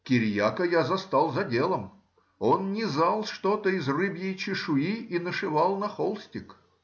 Кириака я застал за делом — он низал что-то из рыбьей чешуи и нашивал на холстик.